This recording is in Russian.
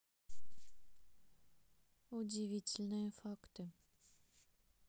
удивительные факты